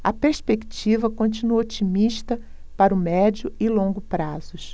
a perspectiva continua otimista para o médio e longo prazos